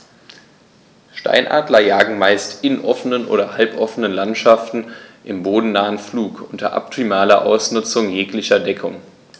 Steinadler jagen meist in offenen oder halboffenen Landschaften im bodennahen Flug unter optimaler Ausnutzung jeglicher Deckung.